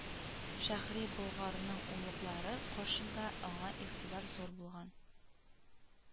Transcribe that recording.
Шәһри Болгарның олуглары каршында да аңа игътибар зур булган